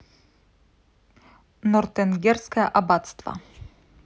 нортенгерское аббатство